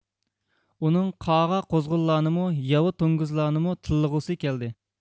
ئۇنىڭ قاغا قۇزغۇنلارنىمۇ ياۋا توڭگۇزلارنىمۇ تىللىغۇسى كەلدى